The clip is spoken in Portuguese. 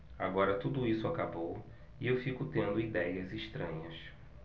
agora tudo isso acabou e eu fico tendo idéias estranhas